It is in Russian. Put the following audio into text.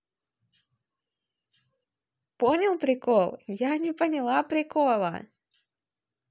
понял прикол я не поняла прикола